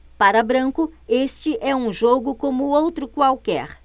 para branco este é um jogo como outro qualquer